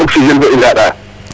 Meme oxigene fene i nqaaɗaa,